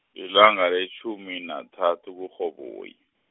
lilanga letjhumi nathathu kuRhoboyi.